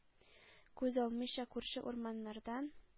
Күз алмыйча күрше урманнардан